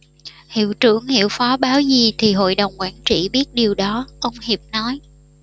hiệu trưởng hiệu phó báo gì thì hội đồng quản trị biết điều đó ông hiệp nói